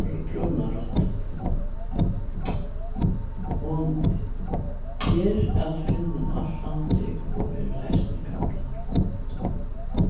brúna rotta hon er at finna um alt landið og verður eisini kallað